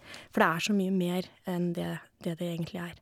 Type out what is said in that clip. For det er så mye mer enn det det det egentlig er.